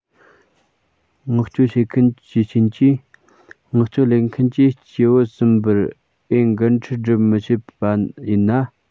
མངགས བཅོལ བྱེད མཁན གྱི རྐྱེན གྱིས མངགས བཅོལ ལེན མཁན གྱིས སྐྱེ བོ གསུམ པར འོས འགན འཁྲི སྒྲུབ མི བྱེད པ ཡིན ན